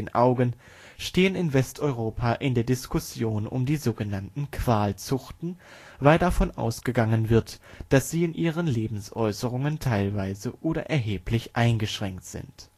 Augen, stehen in Westeuropa in der Diskussion um die sogenannten Qualzuchten, weil davon ausgegangen wird, dass sie in ihren Lebensäußerungen teilweise oder erheblich eingeschränkt sind